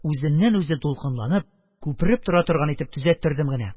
Үзеннән-үзе дулкынланып, күпереп тора торган итеп төзәттердем генә.